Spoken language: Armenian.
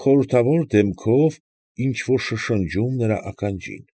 Խորհրդավոր դեմքով ինչ֊որ շշնջում նրա ականջին։